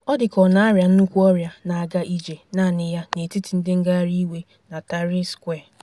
Ọ dị ka ọ na-arịa nnukwu ọrịa, na-aga ije naanị ya n'etiti ndị ngagharị iwe na Tahrir square.